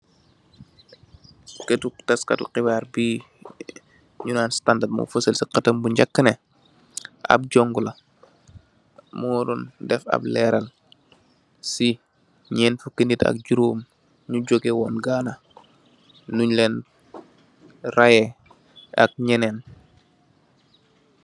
Kaitu tass kati xibarr bi ñu nan Standard mo fasal ci xatam bu njak neh ap jungula mó don def ap leral si ñénti fukki nit ak jurom ñu jogeh won Gana nuñ lèèn rayeh ak ñyenen.